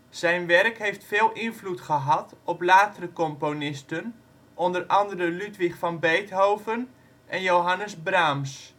Zijn werk heeft veel invloed gehad op latere componisten, onder anderen Ludwig van Beethoven en Johannes Brahms